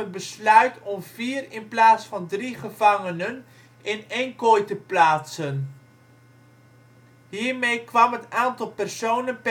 besluit om vier in plaats van drie gevangen in één kooi te plaatsen. Hiermee kwam het aantal personen